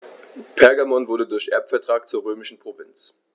Pergamon wurde durch Erbvertrag zur römischen Provinz.